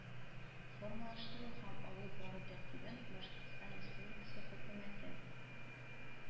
Формалаштыру һәм алып бару тәртибен башкортстан республикасы хөкүмәте